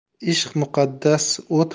ishq muqaddas o't